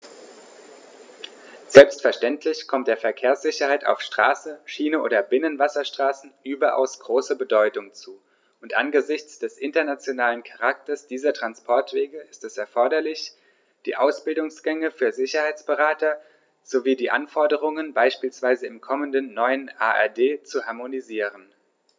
Selbstverständlich kommt der Verkehrssicherheit auf Straße, Schiene oder Binnenwasserstraßen überaus große Bedeutung zu, und angesichts des internationalen Charakters dieser Transporte ist es erforderlich, die Ausbildungsgänge für Sicherheitsberater sowie die Anforderungen beispielsweise im kommenden neuen ADR zu harmonisieren.